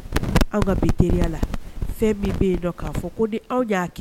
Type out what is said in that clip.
Fɛn'a kɛ